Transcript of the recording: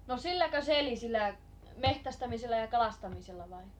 no silläkö se eli sillä metsästämisellä ja kalastamisella vai